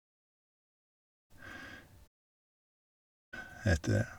heter det.